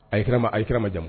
A ye kira majamu .